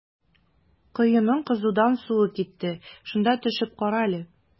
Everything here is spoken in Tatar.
Коеның кызудан суы кипте, шунда төшеп кара әле.